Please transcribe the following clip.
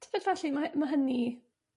Tybed felly ma' ma' hynny